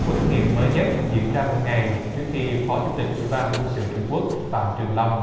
cuộc thử nghiệm mới nhất diễn ra một ngày trước khi phó chủ tịch ủy ban quân sự trung quốc phạm trường long